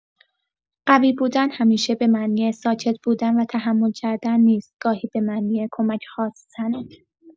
قوی بودن همیشه به معنی ساکت بودن و تحمل کردن نیست، گاهی به معنی کمک خواستنه.